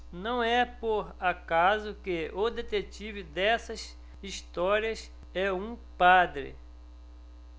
não é por acaso que o detetive dessas histórias é um padre